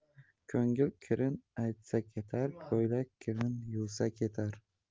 ko'ngil kirin aytsa ketar ko'ylak kirin yuvsa ketar